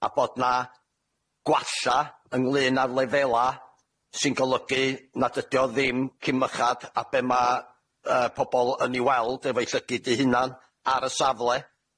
a bod 'na gwalla' ynglŷn â'r lefela' sy'n golygu nad ydi o ddim cim ychad â be' ma' yy pobol yn 'i weld efo'i llygid 'i hunan ar y safle.